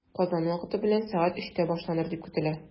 Казан вакыты белән сәгать өчтә башланыр дип көтелә.